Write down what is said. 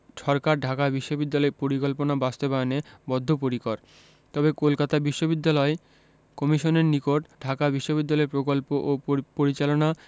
সরকার ঢাকা বিশ্ববিদ্যালয় পরিকল্পনা বাস্তবায়নে বদ্ধপরিকর তবে কলকাতা বিশ্ববিদ্যালয় কমিশনের নিকট ঢাকা বিশ্ববিদ্যালয় প্রকল্প ও পরিচালনা